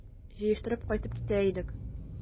Җыештырып кайтып китә идек...